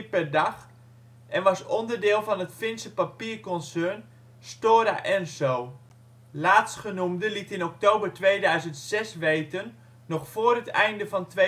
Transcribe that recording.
per dag, en was onderdeel van het Finse papierconcern Stora Enso. Laatstgenoemde in oktober 2006 weten nog vóór het einde van 2007